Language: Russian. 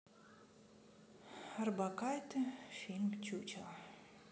орбакайте в фильме чучело